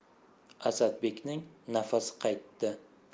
asadbekning nafasi qaytdi